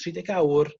Tri deg awr